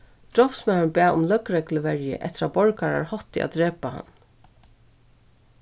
drápsmaðurin bað um løgregluverju eftir at borgarar hóttu at drepa hann